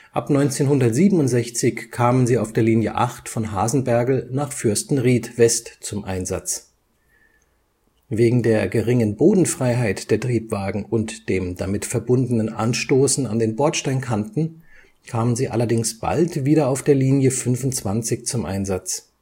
Ab 1967 kamen sie auf der Linie 8 von Hasenbergl nach Fürstenried West zum Einsatz. Wegen der geringen Bodenfreiheit der Triebwagen und dem damit verbundenen Anstoßen an den Bordsteinkanten, kamen sie allerdings bald wieder auf der Linie 25 zum Einsatz